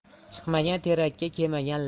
chiqmagan terakka keimagan